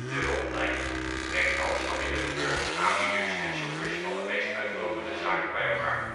Hulplijn brengt Hans van Willigenburg aanbieders en zoekers van de meest uitlopende zaken bij elkaar